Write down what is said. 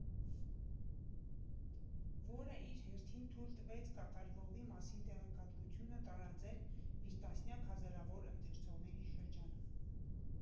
Որը իր հերթին թույլ տվեց կատարվողի մասին տեղեկատվությունը տարածել իր տասնյակ հազարավոր ընթերցողների շրջանում։